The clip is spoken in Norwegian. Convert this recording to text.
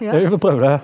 ja vi får prøve det.